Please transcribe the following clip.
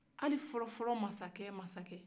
hali fɔlɔ-fɔlɔ masakɛ-masakɛ